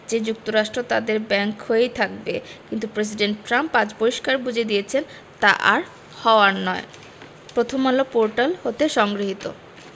যে যুক্তরাষ্ট্র তাদের ব্যাংক হয়েই থাকবে কিন্তু প্রেসিডেন্ট ট্রাম্প আজ পরিষ্কার বুঝিয়ে দিয়েছেন তা আর হওয়ার নয় প্রথমআলো পোর্টাল হতে সংগৃহীত